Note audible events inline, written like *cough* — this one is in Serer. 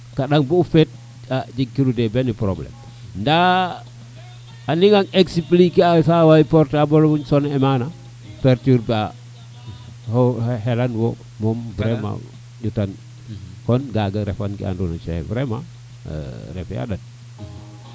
kaɗa bo feet a jeg giro de ben probleme nda a naga expliquer a sawaay portable sonner mana perturber a o xelan moom vraiment ƴutan kon kaga refan ke andona Cheikh vraiment *hesitation* refe a ndat